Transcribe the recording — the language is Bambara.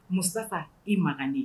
Mustafa i Magane